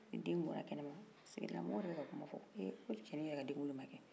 ni den bɔra kɛnɛma sigida la mɔgɔw de bɛ ka kuma ko eh cɛnin yɛrɛ ka denkuli ma kɛ